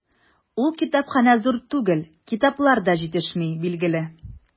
Ул китапханә зур да түгел, китаплар да җитешми, билгеле.